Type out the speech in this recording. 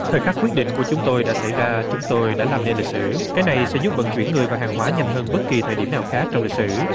thời khắc quyết định của chúng tôi đã xảy ra chúng tôi đã làm nên lịch sử cái này sẽ giúp vận chuyển người và hàng hóa nhanh hơn bất kỳ thời điểm nào khác trong lịch sử